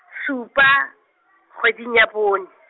supa kgweding ya bone.